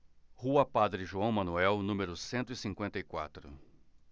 rua padre joão manuel número cento e cinquenta e quatro